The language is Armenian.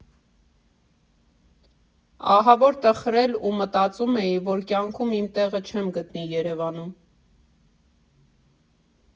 Ահավոր տխրել ու մտածում էի, որ կյանքում իմ տեղը չեմ գտնի Երևանում.